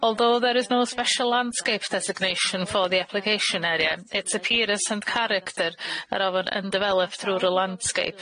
Although there is no special landscapes designation for the application area, it appears and character of our undeveloped rural landscape.